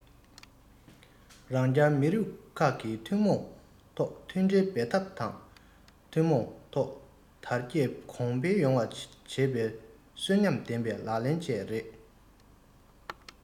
རང རྒྱལ མི རིགས ཁག གིས ཐུན མོང ཐོག མཐུན སྒྲིལ འབད འཐབ དང ཐུན མོང ཐོག དར རྒྱས གོང འཕེལ ཡོང བ བྱེད པའི གསོན ཉམས ལྡན པའི ལག ལེན བཅས རེད